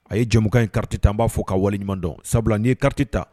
A ye jamukan in carte ta an b'a fo k'a waleɲumandɔn sabula n'i ye carte ta